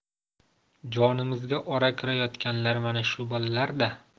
jonimizga ora kirayotganlar mana shu bolalarda